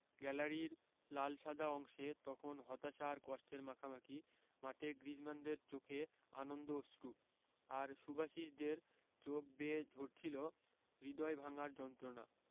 গ্যালারির লাল সাদা অংশে তখন হতাশা আর কষ্টের মাখামাখি মাঠে গ্রিজমানদের চোখে আনন্দ অশ্রু আর সুবাসিচদের চোখ বেয়ে ঝরছিল হৃদয় ভাঙার যন্ত্রণা